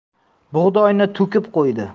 bug'doyni to'kib qo'ydi